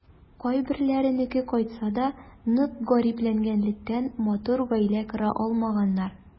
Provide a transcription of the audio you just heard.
Кайберләренеке кайтса да, нык гарипләнгәнлектән, матур гаилә кора алмаганнар.